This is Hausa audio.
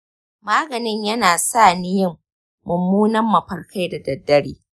maganin yana sa ni yin munanan mafarkai da daddare.